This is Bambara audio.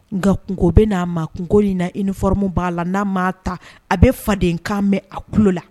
Nka kungo bɛ n'a ma kungo in i niɔrɔmu b'a la n'a ma ta a bɛ fadenkan mɛn a tulo la